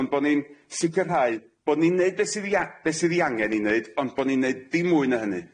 ond bo ni'n sicirhau bo ni'n neud be' sydd i a- be' sydd 'i angen 'i neud ond bo ni'n neud dim mwy na hynny.